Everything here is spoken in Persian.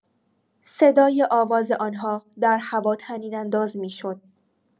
صدای آواز آنها در هوا طنین‌انداز می‌شد.